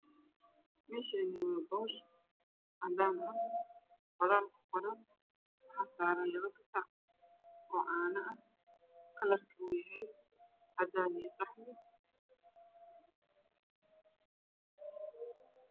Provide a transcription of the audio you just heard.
Meeshaan waa boor cadaan ah qoraan ku qoran waxaa saaran labo gasac oo caano ah kalarka uu yahay cadaan iyo qaxwi.